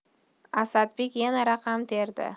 asadbek yana raqam terdi